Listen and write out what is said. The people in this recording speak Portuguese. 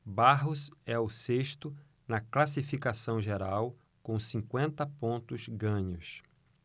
barros é o sexto na classificação geral com cinquenta pontos ganhos